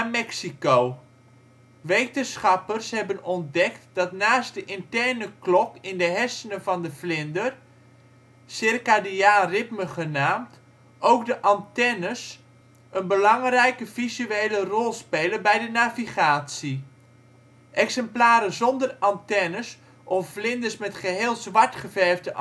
Mexico. Wetenschappers hebben ontdekt dat naast de interne klok in de hersenen van de vlinder (circadiaan ritme genaamd) ook de antennes een belangrijke visuele rol spelen bij de navigatie. Exemplaren zonder antennes of vlinders met geheel zwart geverfde antennes